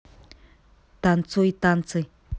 танцуй танцы